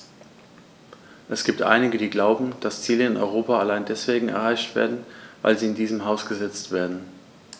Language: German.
Es gibt einige, die glauben, dass Ziele in Europa allein deswegen erreicht werden, weil sie in diesem Haus gesetzt werden.